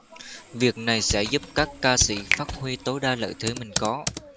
việc này sẽ giúp các ca sĩ phát huy tối đa lợi thế mình có